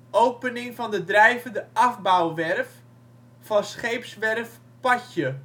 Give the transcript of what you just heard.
Opening van de drijvende afbouwwerf van scheepswerf Pattje 1994